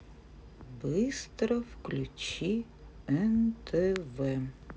быстро включи нтв